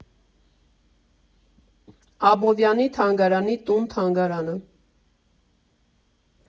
Աբովյանի թանգարանի տուն֊թանգարանը»։